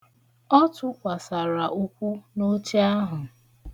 Ọ tụkwasara ukwu n'oche ahụ.